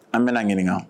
An bɛna ɲininka